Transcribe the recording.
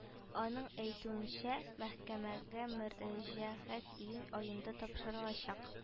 Аның әйтүенчә мәхкамәгә мөрәҗәгать июнь аенда тапшырылачак